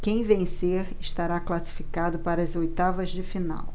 quem vencer estará classificado para as oitavas de final